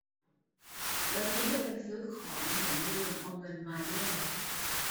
วันนี้เดินซื้อของหลงลืมเอาเงินมากด้วย